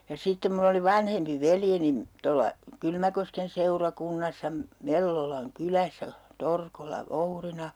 ja sitten minulla oli vanhempi veljeni tuolla Kylmäkosken seurakunnassa - Mellolan kylässä Torkolla voutina